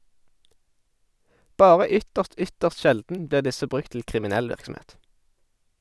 Bare ytterst, ytterst sjelden blir disse brukt til kriminell virksomhet.